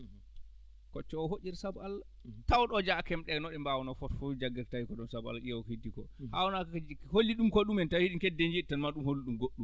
koccoowo hoccira sabu Allah tawde o jaakima ɗe no ɗe mbaawno fof o wi jaggira tawi ko ɗum sabu Allah ƴeewa ko heddii koo hawnaaki ko heddii koo holli ɗum ko ɗumen tawi eɗin kedde yiide tan maaɗum hollu ɗum goɗɗum